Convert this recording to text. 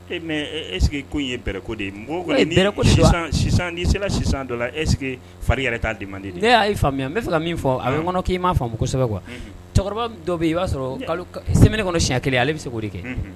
E mɛ e ko ye bɛ ko de ye kose sisan dɔ e fari yɛrɛ ta di man di e y' faamuya an n bɛa fɛ ka min fɔ a bɛ kɔnɔ'i m'a faamu kosɛbɛ cɛkɔrɔba dɔ bɛ i b'a sɔrɔ sɛbɛn kɔnɔ siɲɛ kelen ale bɛ se k' de kɛ